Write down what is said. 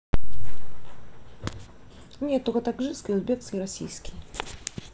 нет только три таджикский узбекский российский